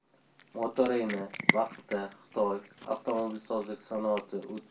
motorayni vaqtda xitoy avtomobilsozlik sanoati o'tgan